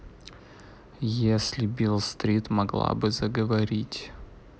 если бил стрит могла бы заговорить